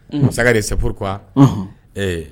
Masakɛ de seuru qu ɛɛ